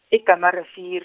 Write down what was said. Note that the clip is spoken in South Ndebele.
e- Kamel Rivier.